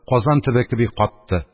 Казан төбе кеби катты.